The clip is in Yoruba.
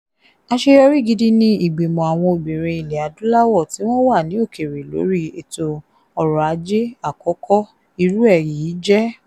Àṣeyọrí gidi ni Ìgbìmọ̀ àwọn obìnrin ilẹ̀ Adúláwọ̀ tí wọ́n wà ní Òkèèrè lórí Ètò ọrọ̀-ajé àkọ́kọ́ irú ẹ̀ yìí jẹ́.